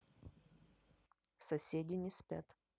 соседи не спят